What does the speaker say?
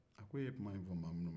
e ye kuma in fɔ maa minnu ma